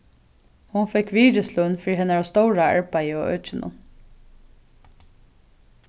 hon fekk virðisløn fyri hennara stóra arbeiði á økinum